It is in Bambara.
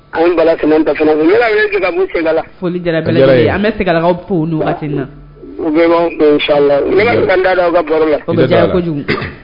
An bala bɛ seginlakaw waati na uda ka la kojugu